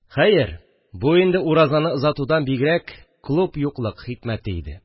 Хәер, бу инде уразаны озатудан бигрәк клуб юклык хикмәте иде